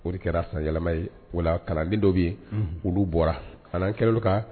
O de kɛra san yɛlɛma ye, o la kalanden dɔw bɛ yen, unhun, olu bɔra, an'an kɛlen don ka